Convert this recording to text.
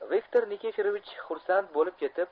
viktor nikiforovich xursand bo'lib ketib